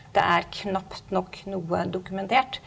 det er knapt nok noe dokumentert.